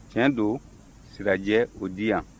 tiɲɛ don sirajɛ o di yan